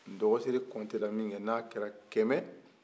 dɔgɔsiri kɔntera minkɛ n'a kɛra kɛmɛ